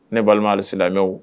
Ne balimamu halisila i bɛ